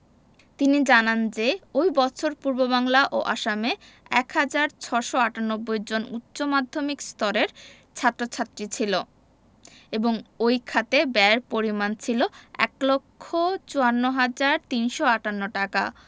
তিনি জানান যে ওই বছর পূর্ববাংলা ও আসামে ১ হাজার ৬৯৮ জন উচ্চ মাধ্যমিক স্তরের ছাত্র ছাত্রী ছিল এবং ওই খাতে ব্যয়ের পরিমাণ ছিল ১ লক্ষ ৫৪ হাজার ৩৫৮ টাকা